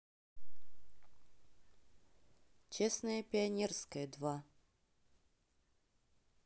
честное пионерское два